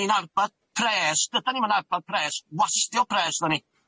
ni'n arbad pres, dydan ni'm yn arbad pres, wastio pres da ni.